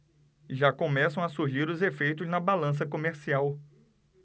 já começam a surgir os efeitos na balança comercial